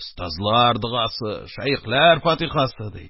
Остазлар догасы, шәехләр фатихасы, ди...